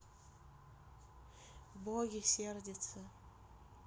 боги сердятся